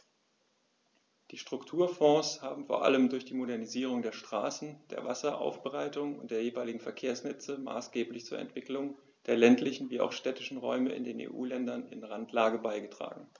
Die Strukturfonds haben vor allem durch die Modernisierung der Straßen, der Wasseraufbereitung und der jeweiligen Verkehrsnetze maßgeblich zur Entwicklung der ländlichen wie auch städtischen Räume in den EU-Ländern in Randlage beigetragen.